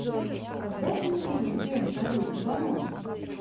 когда обновили сбер салют два ноль